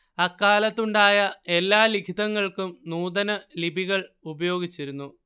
അക്കാലത്തുണ്ടായ എല്ലാ ലിഖിതങ്ങൾക്കും നൂതന ലിപികൾ ഉപയോഗിച്ചിരുന്നു